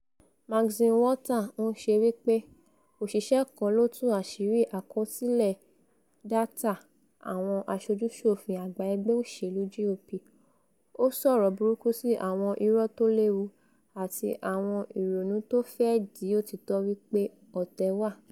Maxine Walter ńṣẹ́ wí pé òṣìṣẹ́ kan ló tú àṣírí àkọsílẹ̀ dátà àwọn aṣojú-ṣòfin àgbà ẹgbẹ́ òṣèlú GOP, ó sọ̀rọ̀ burúkú sí 'àwọn irọ́ tóléwu' àti 'àwọn ìrònútófẹ́di-òtítọ́ wí pé ọ̀tẹ̀ wà'